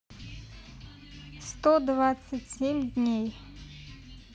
сто двадцать семь дней